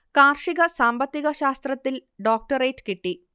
കാർഷിക സാമ്പത്തിക ശാസ്ത്രത്തിൽ ഡോക്ടറേറ്റ് കിട്ടി